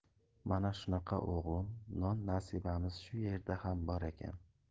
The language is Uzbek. mana shunaqa o'g'lim non nasibamiz shu yerda ham bor ekan